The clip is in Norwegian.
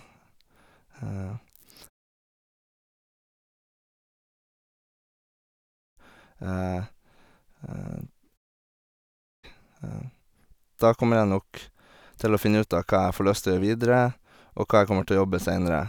Da kommer jeg nok til å finne ut av hva jeg får lyst å gjøre videre, og hva jeg kommer til å jobbe seinere.